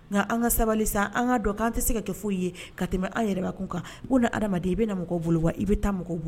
Nka an ka sabali sa, an ka dɔn an tɛ se ka kɛ fosi ye ka tɛmɛ, an yɛrɛ bakun kan bunan adamaden i bɛ na mɔgɔw bolo wa i bɛ taa mɔgɔw bolo